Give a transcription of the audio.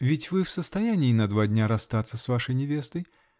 Ведь вы в состоянии на два дня расстаться с вашей невестой?